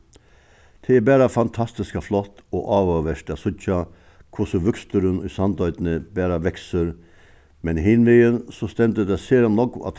tað er bara fantastiska flott og áhugavert at síggja hvussu vøksturin í sandoynni bara veksur men hinvegin so stendur tað sera nógv á